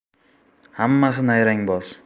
hammasi nayrangboz